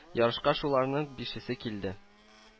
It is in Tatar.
Ярышка шуларның бишесе килде